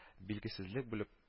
Билгесезлек белөп